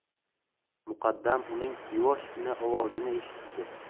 muqaddam uning yuvoshgina ovozini eshitdi